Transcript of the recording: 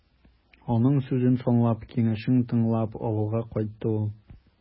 Аның сүзен санлап, киңәшен тыңлап, авылга кайтты ул.